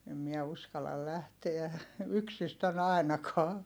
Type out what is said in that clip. en minä uskalla lähteä yksistään ainakaan